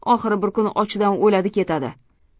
oxiri bir kun ochidan o'ladi ketadi